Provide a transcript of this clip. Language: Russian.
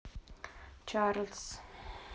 чарльз